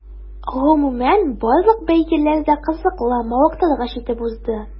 Гомумән, барлык бәйгеләр дә кызыклы, мавыктыргыч итеп узды.